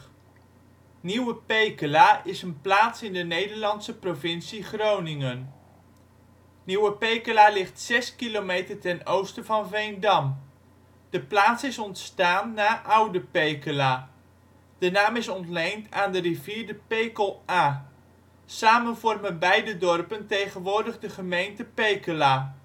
Pekel) is een plaats in de Nederlandse provincie Groningen. Nieuwe Pekela ligt zes kilometer ten oosten van Veendam. De plaats is ontstaan na Oude Pekela. De naam is ontleend aan de rivier de Pekel A. Samen vormen beide dorpen tegenwoordig de gemeente Pekela